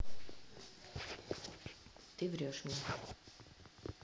ты врешь мне